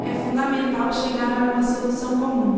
é fundamental chegar a uma solução comum